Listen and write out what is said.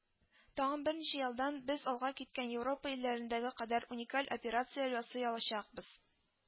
Тагын бер ничә елдан без алга киткән Европа илләрендәге кадәр уникаль операцияләр ясый алачакбыз